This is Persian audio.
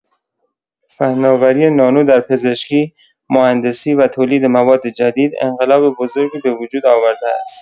فناوری نانو در پزشکی، مهندسی و تولید مواد جدید، انقلاب بزرگی به وجود آورده است.